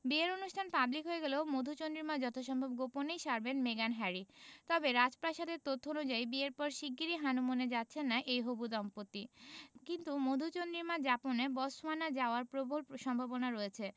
বিয়ের অনুষ্ঠান পাবলিক হয়ে গেলেও মধুচন্দ্রিমা যথাসম্ভব গোপনেই সারবেন মেগান হ্যারি তবে রাজপ্রাসাদের তথ্য অনুযায়ী বিয়ের পর শিগগিরই হানিমুনে যাচ্ছেন না এই হবু দম্পতি কিন্তু মধুচন্দ্রিমা যাপনে বটসওয়ানা যাওয়ার প্রবল সম্ভাবনা রয়েছে